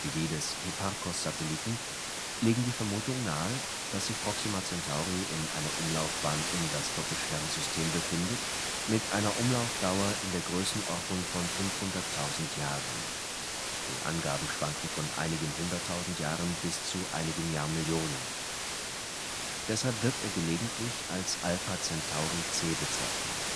die des Hipparcos-Satelliten legen die Vermutung nahe, dass sich Proxima Centauri in einer Umlaufbahn um das Doppelsternsystem befindet, mit einer Umlaufdauer in der Größenordnung von 500.000 Jahren (die Angaben schwanken von einigen 100.000 Jahren bis zu einigen Jahrmillionen). Deshalb wird er gelegentlich als Alpha Centauri C bezeichnet